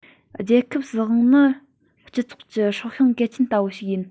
རྒྱལ ཁབ སྲིད དབང གི སྤྱི ཚོགས ཀྱི སྲོག ཤིང གལ ཆེན ལྟ བུ ཡིན